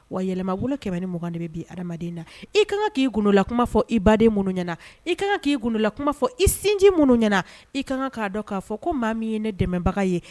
Wa yɛlɛmabolo kɛmɛ ni de bi adama na i ka kan k'ila kuma fɔ i baden minnu ɲɛna i ka kan k'ila kuma fɔ i sinji minnu ɲɛna i kan k'a dɔn k'a fɔ ko maa min ye ne dɛmɛbaga ye